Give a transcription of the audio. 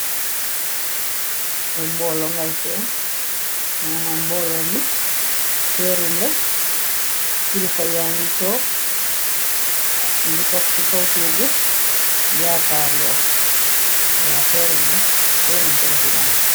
Tak boolo ngay fee, mangan boolo ni teerumle, kilifaya ngi tog ci kawtuugu jaakaar loo, waa teerumle, tëerum trésidan.